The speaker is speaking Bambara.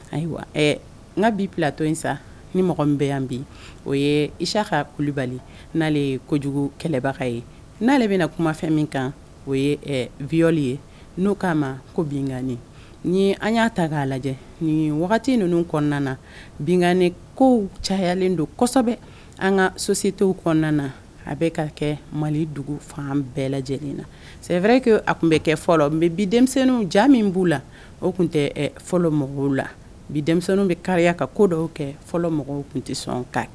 Ayiwa n ka bi bilatɔ in sa ni mɔgɔ min bɛ yan bi o ye isakali kulubali n'ale ye kojugu kɛlɛbaga ye n'ale de bɛna na kumafɛn min kan o ye vyli ye n'o k'a ma ko bin ŋani ni an y'a ta k'a lajɛ nin wagati ninnu kɔnɔna na binani ko cayalen don an ka sosi te kɔnɔna na a bɛ ka kɛ mali dugu fan bɛɛ lajɛ lajɛlen na sɛɛrɛ a tun bɛ kɛ fɔlɔ mɛ bi denmisɛnnin jaabi min b'u la o tun tɛ fɔlɔ mɔgɔw la bi denmisɛnnin bɛ ka ka ko dɔw kɛ fɔlɔ mɔgɔw tun tɛ sɔn ka kɛ